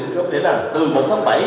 đấy là từ một tháng bảy